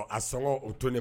A sɔn o to